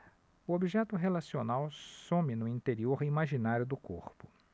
o objeto relacional some no interior imaginário do corpo